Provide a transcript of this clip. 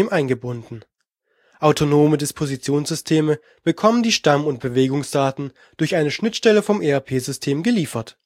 eingebunden. Autonome Dispositionssysteme bekommen die Stamm - und Bewegungsdaten durch eine Schnittstelle vom ERP-System geliefert